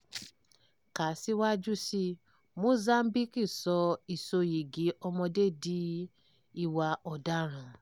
Kà síwájú sí i: Mozambique sọ ìsoyìgì ọmọdé di ìwà ọ̀daràn